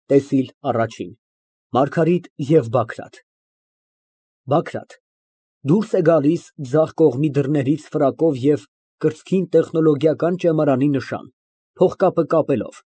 ՏԵՍԻԼ մեկ ՄԱՐԳԱՐԻՏ ԵՎ ԲԱԳՐԱՏ ԲԱԳՐԱՏ ֊ (Դուրս է գալիս ձախ կողմի դռներից ֆրակով և կրծքին տեխնոլոգիական ճեմարանի նշան, փողկապը կապելով)։